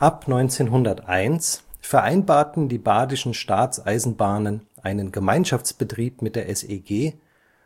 Ab 1901 vereinbarten die Badischen Staatseisenbahnen einen Gemeinschaftsbetrieb mit der SEG,